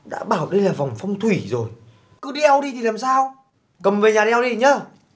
đã bảo đây là vòng phong thủy rồi cứ đeo đi thì làm sao cầm về nhà đeo đi nhớ